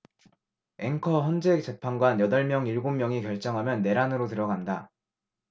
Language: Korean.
앵커 헌재 재판관 여덟 명 일곱 명이 결정하면 내란으로 들어간다